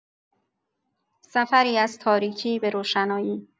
سفری از تاریکی به روشنایی.